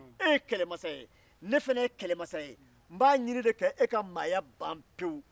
e ye kɛlɛmasa ye ne fana ye kɛlɛmasa ye n b'a ɲinin de ka e ka maaya ban pewu